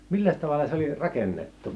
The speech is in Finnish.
milläs tavalla se oli rakennettu